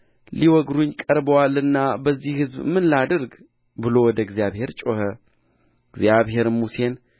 ሊወግሩኝ ቀርበዋልና በዚህ ሕዝብ ምን ላድርግ ብሎ ወደ እግዚአብሔር ጮኸ እግዚአብሔርም ሙሴን